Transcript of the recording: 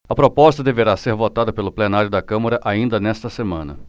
a proposta deverá ser votada pelo plenário da câmara ainda nesta semana